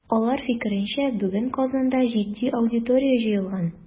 Алар фикеренчә, бүген Казанда җитди аудитория җыелган.